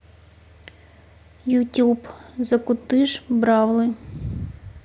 ютуб закупыш бравлы